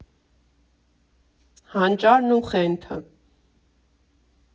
«Հանճարն ու խենթը»